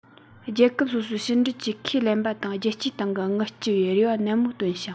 རྒྱལ ཁབ སོ སོའི ཕྱི འབྲེལ གྱིས ཁས ལེན པ དང རྒྱལ སྤྱིའི སྟེང གིས དངུལ བསྐྱི བའི རེ བ ནན མོ བཏོན ཞིང